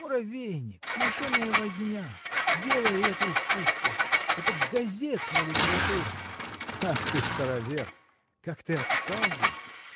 муравейник, мышиная возня: дело ли это искусства?. Это газетная литература! — Ах ты, старовер! как ты отстал здесь!